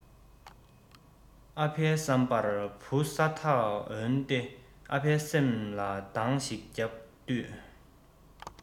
ཨ ཕའི བསམ པར བུ ས ཐག འོན ཏེ ཨ ཕའི སེམས ལ གདང ཞིག བརྒྱབ དུས